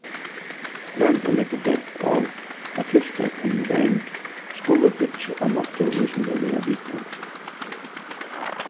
nevndin leggur dent á at tiltøk um vernd skulu byggja á náttúruvísindaliga vitan